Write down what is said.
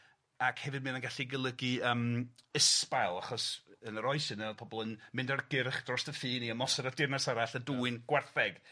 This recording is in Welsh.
Ac hefyd mae o'n gallu golygu yym ysbail, achos yn yr oes yna o'dd pobol yn mynd ar gyrch drost y ffin i ymosod ar dirnas arall, a dwyn gwartheg.